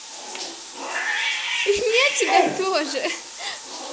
и мне тебя тоже